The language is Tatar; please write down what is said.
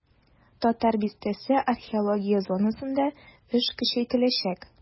"татар бистәсе" археология зонасында эш көчәйтеләчәк.